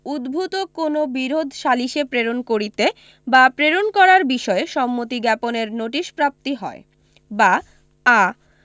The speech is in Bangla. উদ্ভুত কোন বিরোধ সালিসে প্রেরণ করিতে বা প্রেরণ করার বিষয়ে সম্মতি জ্ঞাপনের নোটিশ প্রাপ্তি হয় বা আ